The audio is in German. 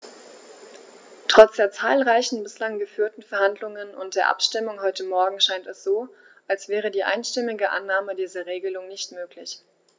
Trotz der zahlreichen bislang geführten Verhandlungen und der Abstimmung heute Morgen scheint es so, als wäre die einstimmige Annahme dieser Regelung nicht möglich.